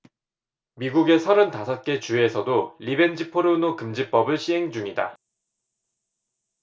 미국의 서른 다섯 개 주에서도 리벤지 포르노 금지법을 시행중이다